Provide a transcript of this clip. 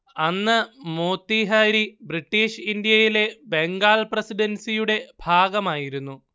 അന്ന് മോത്തിഹാരി ബ്രിട്ടീഷ് ഇന്ത്യയിലെ ബംഗാൾ പ്രസിഡൻസിയുടെ ഭാഗമായിരുന്നു